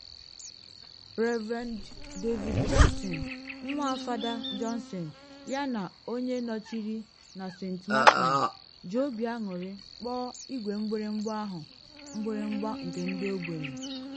Rev. David Johnson, nwa Fada Johnson yana onye nọchiri na St. Martin, ji obi aṅụrị kpọọ igwe mgbịrịmgba ahụ “mgbịrịmgba nke ndị ogbenye.”